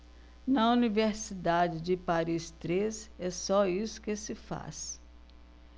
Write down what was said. na universidade de paris três é só isso que se faz